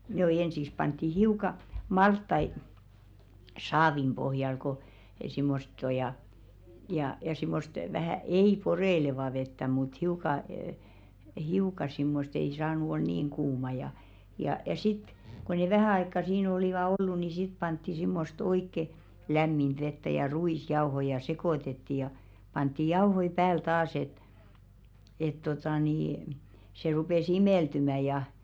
no ensin pantiin hiukan maltaita saavin pohjalle kun semmoista on ja ja ja semmoista vähän ei poreilevaa vettä mutta hiukan - hiukan semmoista ei saanut olla niin kuumaa ja ja ja sitten kun ne vähän aikaa siinä olivat ollut niin sitten pantiin semmoista oikein lämmintä vettä ja ruisjauhoja ja sekoitettiin ja pantiin jauhoja päälle taas että että tuota niin se rupesi imeltymään ja